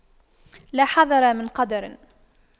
لا حذر من قدر